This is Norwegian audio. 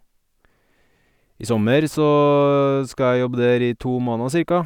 I sommer så skal jeg jobbe der i to måneder, cirka.